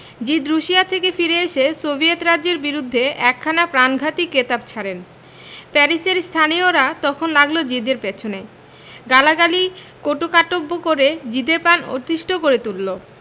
জিদ রুশিয়া থেকে ফিরে এসে সোভিয়েট রাজ্যের বিরুদ্ধে একখানা প্রাণঘাতী কেতাব ছাড়েন প্যারিসের স্তালিনীয়রা তখন লাগল জিদের পেছনে গালাগালি কটুকাটব্য করে জিদের প্রাণ অতিষ্ঠ করে তুলল